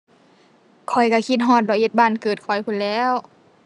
ข้อยก็คิดฮอดร้อยเอ็ดบ้านเกิดข้อยพู้นแหล้ว